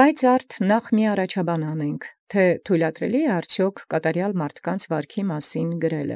Կորյուն Եւ արդ առեալ նախաբանեսցուք, եթէ իցէ՞ համարձակութիւն գրով